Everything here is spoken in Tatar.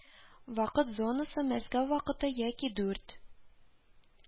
Вакыт зонасы Мәскәү вакыты яки дүрт